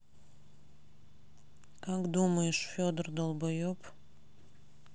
как думаешь федор долбаеб